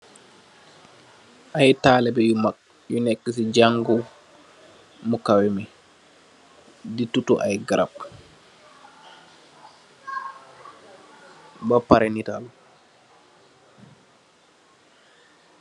Ay talibeh yu mak, yu nekka ci jangu mu kawèh mi, di tuttu ay garap bapareh nitalu.